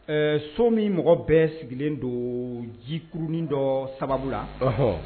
Ɛɛ so min mɔgɔ bɛ sigilen don ji kurunin dɔ sababu la